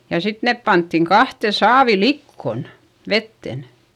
ja sitten ne pantiin kahteen saaviin likoon veteen